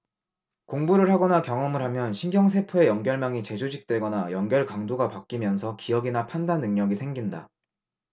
공부를 하거나 경험을 하면 신경세포의 연결망이 재조직되거나 연결 강도가 바뀌면서 기억이나 판단 능력이 생긴다